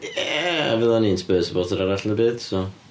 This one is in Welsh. Ie fydd o'n un Spurs supporter arall yn y byd, so, ia.